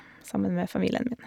Sammen med familien min.